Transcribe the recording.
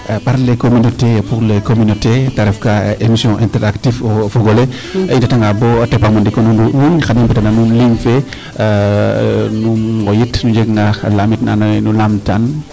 par les communauté et pour les communauté te ref ka emission inter active o fogole i ndeta nga boo paam o ndiko ndutuñxan i mbeta na nuun ligne fee nu ngoyit nu njega nga lamit naa ando naye nu laamtaan